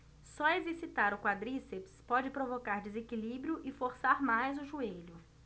só exercitar o quadríceps pode provocar desequilíbrio e forçar mais o joelho